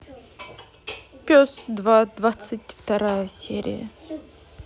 пес два двадцать вторая серия